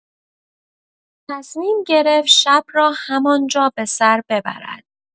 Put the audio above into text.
تصمیم گرفت شب را همان جا به سر ببرد.